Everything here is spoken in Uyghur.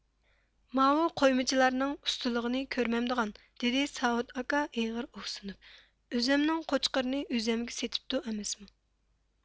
ماۋۇ قويمىچىلارنىڭ ئۇستىلىغىنى كۆرمەمدىغان دېدى ساۋۇت ئاكا ئېغىر ئۇھسىنىپ ئۆزۈمنىڭ قوچقىرىنى ئۆزۈمگە سېتىپتۇ ئەمەسمۇ